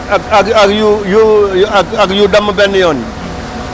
ak ak ak yu yu yu ak ak yu damm benn yoon yi